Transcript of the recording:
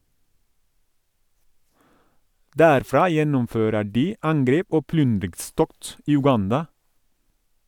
Derfra gjennomfører de angrep og plyndringstokt i Uganda.